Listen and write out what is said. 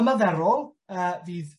ymaferol yy fydd